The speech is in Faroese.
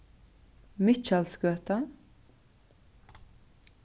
mikkjalsgøta